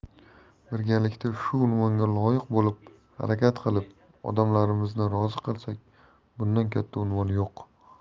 birgalikda shu unvonga loyiq bo'lib harakat qilib odamlarimizni rozi qilsak bundan katta unvon yo'q